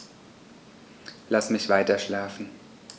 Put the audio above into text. Lass mich weiterschlafen.